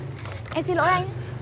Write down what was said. em xin lỗi anh